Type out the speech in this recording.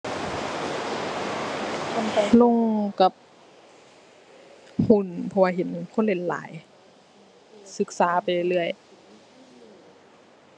ลงกับหุ้น เพราะว่าเห็นคนเล่นหลาย ศึกษาไปเรื่อยเรื่อย